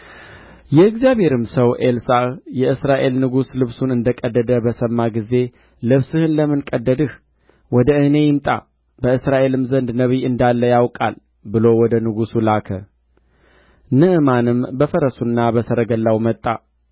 ሰውን ከለምጹ እፈውስ ዘንድ ይህ ሰው ወደ እኔ መስደዱ እኔ በውኑ ለመግደልና ለማዳን የምችል አምላክ ሆኜ ነውን ተመልከቱ የጠብ ምክንያትም እንደሚፈልግብኝ እዩ አለ